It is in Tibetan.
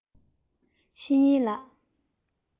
བཤེས གཉེན ལགས